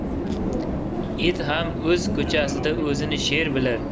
it ham o'z ko'chasida o'zini sher bilar